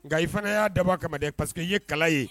Nka i fanga y'a dabɔba kama pa que ye kala ye